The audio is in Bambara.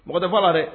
Mɔgɔ tɛfa la dɛ